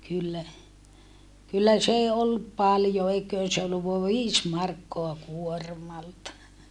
kyllä kyllä se ei ollut paljon eiköhän se ollut vain viisi markkaa kuormalta